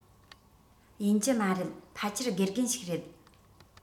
ཡིན གྱི མ རེད ཕལ ཆེར དགེ རྒན ཞིག རེད